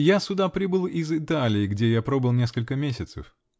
-- Я сюда прибыл из Италии, где я пробыл несколько месяцев.